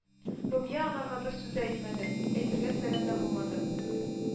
Румия анарга бер сүздә әйтмәде, әйтергә теләгәндә булмады